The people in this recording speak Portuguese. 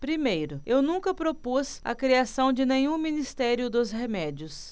primeiro eu nunca propus a criação de nenhum ministério dos remédios